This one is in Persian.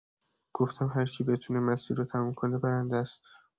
گفتم هر کی بتونه مسیر رو تموم کنه، برنده‌ست.